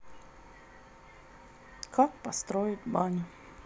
как построить баню